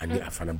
A ni a fana